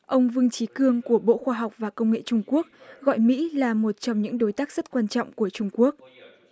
ông vương chí cương của bộ khoa học và công nghệ trung quốc gọi mỹ là một trong những đối tác rất quan trọng của trung quốc